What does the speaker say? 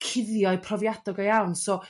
cuddio'i profiada' go iawn so